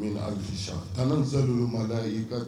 Min a sa tansan bɛ maa'i ka